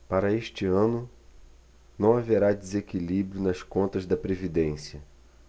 para este ano não haverá desequilíbrio nas contas da previdência